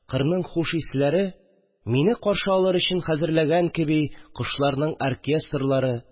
Кырның хуш исләре, мине каршы алыр өчен хәзерләнгән кеби кошларның оркестрлары